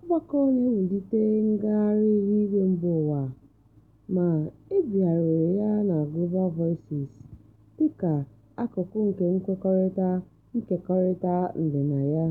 ọgbakọ na-ewulite ngagharị ihuigwe mbaụwa, ma e bigharịrị ya na Global Voices dịka akụkụ nke nkwekọrịta-nkekọrịta ndịnaya.